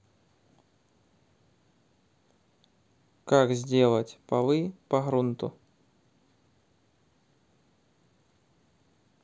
как сделать полы по грунту